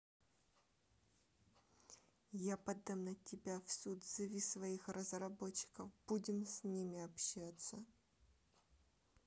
я подам на тебя в суд зови своих разработчиков будем с ними общаться